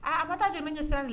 A ka taa jɔ ne ɲɛ sira la